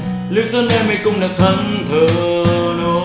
lưu dấu nơi mê cung đẹp thẫn thờ